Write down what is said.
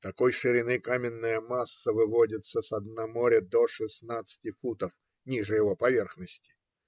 Такой ширины каменная масса выводится со дна моря до шестнадцати футов ниже его поверхности.